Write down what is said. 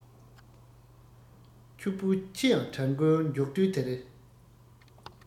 ཕྱུག པོའི ཁྱི ཡང གྲལ མགོར འཇོག དུས འདིར